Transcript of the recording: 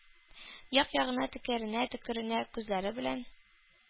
Як-ягына төкеренә-төкеренә күзләре белән